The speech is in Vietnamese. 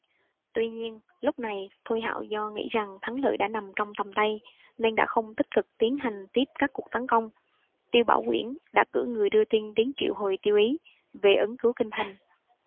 tuy nhiên lúc này thôi hạo do nghĩ rằng thắng lợi đã nằm trong tầm tay nên đã không tích cực tiến hành tiếp các cuộc tấn công tiêu bảo quyển đã cử người đưa tin đến triệu hồi tiêu ý về ứng cứu kinh thành